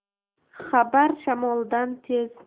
xabar shamoldan tez